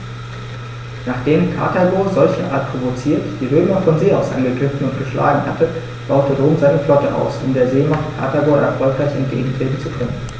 Nachdem Karthago, solcherart provoziert, die Römer von See aus angegriffen und geschlagen hatte, baute Rom seine Flotte aus, um der Seemacht Karthago erfolgreich entgegentreten zu können.